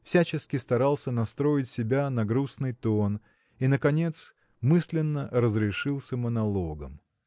всячески старался настроить себя на грустный тон и наконец мысленно разрешился монологом.